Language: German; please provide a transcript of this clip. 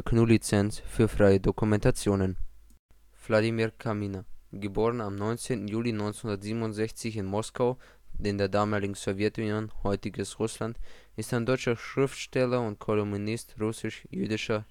GNU Lizenz für freie Dokumentation. Datei:Kaminer.jpg Wladimir Kaminer beim Verkosten von " Renates " Quittenschnaps (siehe " Mein deutsches Dschungelbuch ") Wladimir Kaminer (* 19. Juli 1967 in Moskau, Sowjetunion) ist ein deutscher Schriftsteller und Kolumnist russisch-jüdischer